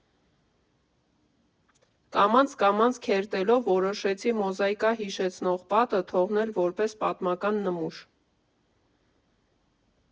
Կամաց֊կամաց քերթելով որոշեցի մոզաիկա հիշեցնող պատը թողնել որպես պատմական նմուշ։